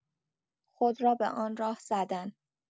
خود را به آن راه زدن